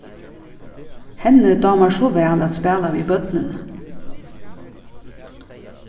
henni dámar so væl at spæla við børnini